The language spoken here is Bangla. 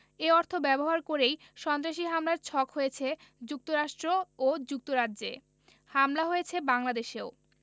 এই অর্থ ব্যবহার করেই সন্ত্রাসী হামলার ছক হয়েছে যুক্তরাষ্ট্র ও যুক্তরাজ্যে হামলা হয়েছে বাংলাদেশেও